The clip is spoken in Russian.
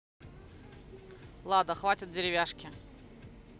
лада хватит деревяшки